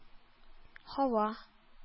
Һава